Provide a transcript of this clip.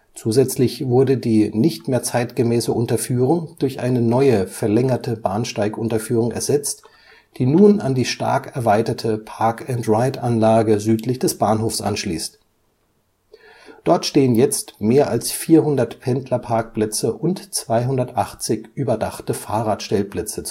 Zusätzlich wurde die nicht mehr zeitgemäße Unterführung durch eine neue verlängerte Bahnsteigunterführung ersetzt, die nun an die stark erweiterte Park-and-Ride-Anlage südlich des Bahnhofs anschließt. Dort stehen jetzt mehr als 400 Pendlerparkplätze und 280 überdachte Fahrradstellplätze